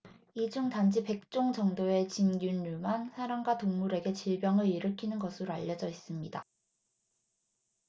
이 중 단지 백 종 정도의 진균류만 사람과 동물에게 질병을 일으키는 것으로 알려져 있습니다